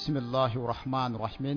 Mla h